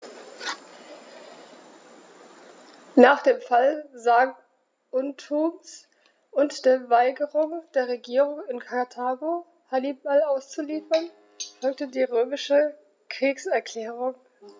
Nach dem Fall Saguntums und der Weigerung der Regierung in Karthago, Hannibal auszuliefern, folgte die römische Kriegserklärung.